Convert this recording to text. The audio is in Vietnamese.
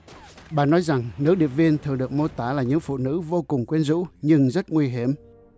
bà nói rằng nếu điệp viên thường được mô tả là những phụ nữ vô cùng quyến rũ nhưng rất nguy hiểm